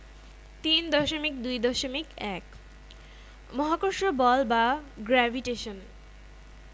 ৩.২.১ মহাকর্ষ বল বা গ্রেভিটেশন